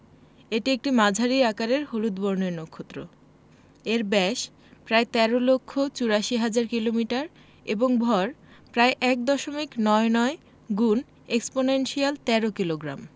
এটি একটি মাঝারি আকারের হলুদ বর্ণের নক্ষত্র এর ব্যাস প্রায় ১৩ লক্ষ ৮৪ হাজার কিলোমিটার এবং ভর প্রায় এক দশমিক নয় নয় গুন এক্সপনেনশিয়াল ১৩ কিলোগ্রাম